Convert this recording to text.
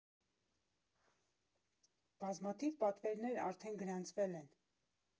Բազմաթիվ պատվերներ արդեն գրանցվել են.